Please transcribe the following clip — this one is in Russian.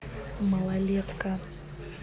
малолетка